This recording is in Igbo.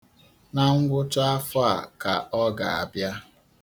Na ngwụchaafọ a ka ọ ga-abịa.